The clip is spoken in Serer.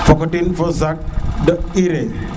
foko tin fo sac de urée